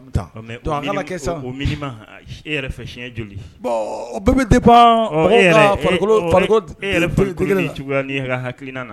Kan ɔ mais o minim au au minimum aa s e yɛrɛ fɛ siɲɛ joli bon o bɛ bɛ dépend ɔɔ e yɛrɛ e ɔ e e yɛrɛ farikolo farikolo d dé dégré n'i cogoya n'i ka hakilina la